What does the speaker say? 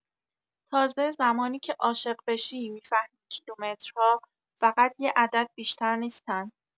تازه زمانی که عاشق بشی می‌فهمی کیلومترها فقط یه عدد بیشتر نیستن!